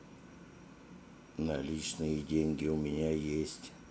наличные деньги у меня есть